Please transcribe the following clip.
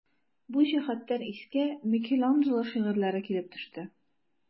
Бу җәһәттән искә Микеланджело шигырьләре килеп төште.